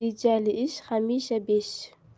rejali ish hamisha besh